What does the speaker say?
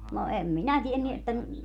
no en minä tiennyt että